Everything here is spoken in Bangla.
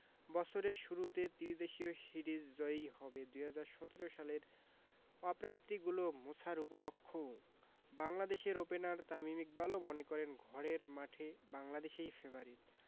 বছরের শুরুতে ত্রিদেশীয় সিরিজ জয়ই হবে ২০১৭ সালের অপ্রাপ্তিগুলো মোছার উপলক্ষও বাংলাদেশের ওপেনার তামিম ইকবালও মনে করেন ঘরের মাঠে বাংলাদেশই ফেবারিট